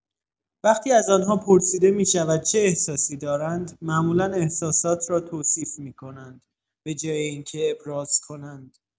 وقتی از آن‌ها پرسیده می‌شود چه احساسی دارند، معمولا احساسات را توصیف می‌کنند، به‌جای اینکه ابراز کنند.